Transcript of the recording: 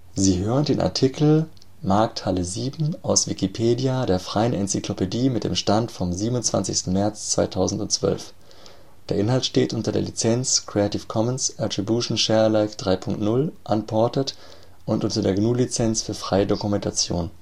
Sie hören den Artikel Markthalle VII, aus Wikipedia, der freien Enzyklopädie. Mit dem Stand vom Der Inhalt steht unter der Lizenz Creative Commons Attribution Share Alike 3 Punkt 0 Unported und unter der GNU Lizenz für freie Dokumentation